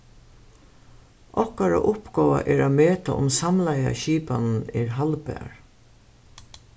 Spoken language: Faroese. okkara uppgáva er at meta um samlaða skipanin er haldbar